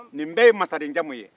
nin bɛ ye masarenjamu ye